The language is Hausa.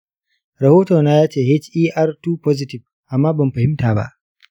rahotona ya ce her2 positive amma ban fahimta ba.